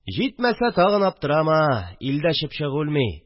Җитмәсә, тагын аптырама, илдә чыпчык үлми.